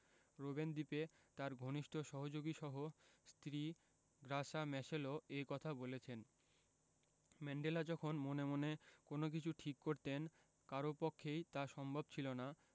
Robben দ্বীপে তাঁর ঘনিষ্ঠ সহযোগীসহ স্ত্রী গ্রাসা ম্যাশেলও এ কথা বলেছেন ম্যান্ডেলা যখন মনে মনে কোনো কিছু ঠিক করতেন কারও পক্ষেই তা সম্ভব ছিল না